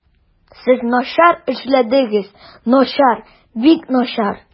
Сез начар эшләдегез, начар, бик начар.